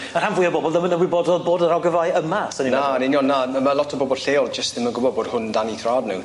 Ma' rhan fwya o bobl ddim yn ymwybodol bod yr ogofau yma sa ni'n meddwl. Na yn union na na ma' lot o bobol lleol jyst ddim yn gwbod bod hwn dan 'u thrad nw.